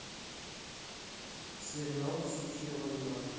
сериал сучья война